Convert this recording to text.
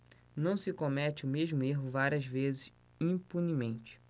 não se comete o mesmo erro várias vezes impunemente